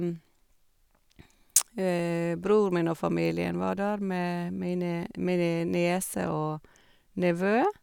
Bror min og familien var der med mine mine nieser og nevø.